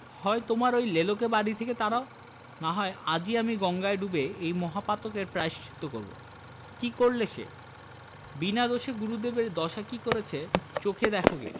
হয় তোমার ঐ লেলোকে বাড়ি থেকে তাড়াও না হয় আজই আমি গঙ্গায় ডুবে এ মহাপাতকের প্রায়শ্চিত্ত করব কি করলে সে বিনা দোষে গুরুদেবের দশা কি করেছে চোখে দেখোগে